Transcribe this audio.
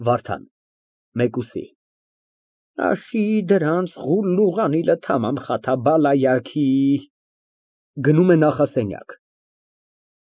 ՎԱՐԴԱՆ ֊ (Մեկուսի) Աշի, դրանց ղուլլուղ անիլը թամամ խաթաբալա ա յա քի… (Գնում է նախասենյակ)։